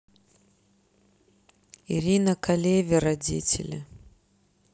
ирина калеви родители